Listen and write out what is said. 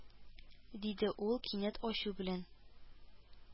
Диде ул, кинәт ачу белән